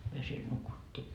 me siellä nukuttiin